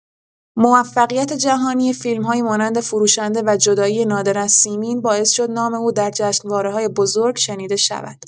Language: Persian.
موفقیت جهانی فیلم‌هایی مانند فروشنده و جدایی نادر از سیمین باعث شد نام او در جشنواره‌های بزرگ شنیده شود.